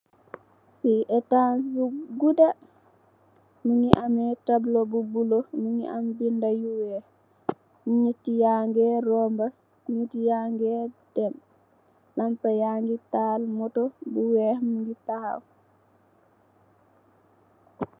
Fi etash bu guda mogi ameh tablu bu bulo mogi am benda yu weex nit yageh romba nit yageh dem lampa yagi taal moto bu weex mogi tahaw.